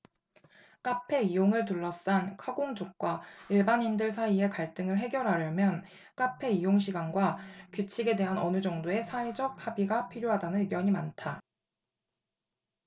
카페 이용을 둘러싼 카공족과 일반인들 사이의 갈등을 해결하려면 카페 이용시간과 규칙에 대한 어느 정도의 사회적 합의가 필요하다는 의견이 많다